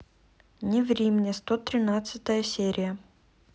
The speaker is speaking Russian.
не ври мне сто тринадцатая серия